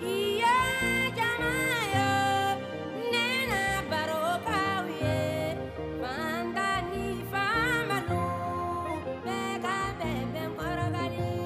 I yo jama yo ne na baro kɛ aw ye fantan ni faamalu bɛɛ ka den den kɔrɔ ka di